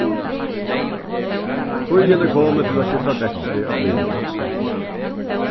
tíðin er komin til at skifta dekkini á bilinum